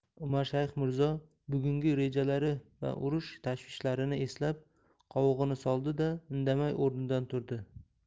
umarshayx mirzo bugungi rejalari va urush tashvishlarini eslab qovog'ini soldi da indamay o'rnidan turdi